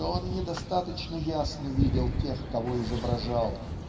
что он недостаточно ясно видел тех кого изображал.